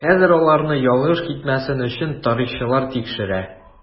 Хәзер аларны ялгыш китмәсен өчен тарихчылар тикшерә.